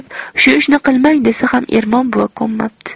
shu ishni qilmang desa ham ermon buva ko'nmapti